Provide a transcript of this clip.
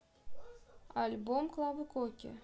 альбом клавы коки